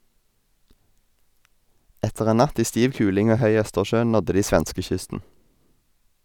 Etter en natt i stiv kuling og høy Østersjø nådde de svenskekysten.